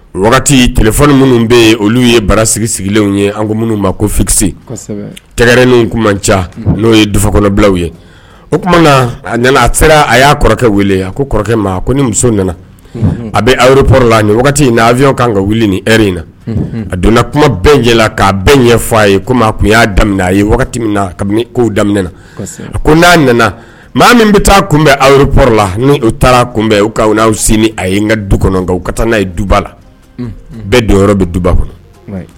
Wagati tile minnu bɛ yen olu ye bara sigi sigilen ye an minnu ma ko fitirisi tɛgɛɛrɛrɛn kuma ca n'o ye dukɔnɔbilaw ye o a nana a sera a y'a kɔrɔkɛ wele a ko kɔrɔkɛ ma ko ni muso nana a bɛ awroɔla ni wagati n' awy kan ka wuli ni e in na a donna kuma bɛɛ ɲɛ k'a bɛɛ ɲɛ fɔ a ye ko kun y'a daminɛ a ye wagati min na kabini ko daminɛɛna ko n'a nana maa min bɛ taa kunbɛn awrop la n' u taara kunbɛn n'aw sini a ye n ka du kɔnɔ kan u ka n'a ye duba la bɛɛ don yɔrɔ bɛ duba kɔnɔ